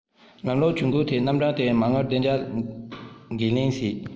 ལམ ལུགས ཇུས འགོད ཐད རྣམ གྲངས དེའི མ དངུལ བདེ འཇགས འགན ལེན བྱེད